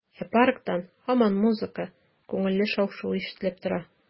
Ә парктан һаман музыка, күңелле шау-шу ишетелеп тора.